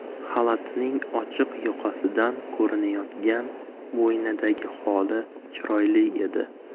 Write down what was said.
xalatining ochiq yoqasidan ko'rinayotgan bo'ynidagi xoli chiroyli edi